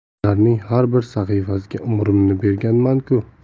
ularning har bir sahifasiga umrimni berganmanku